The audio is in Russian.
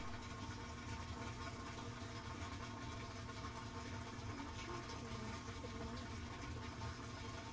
включи фильм стрингер